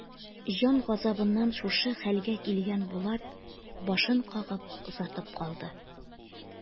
Җан газабыннан шушы хәлгә килгән Булат башын кагып озатып калды.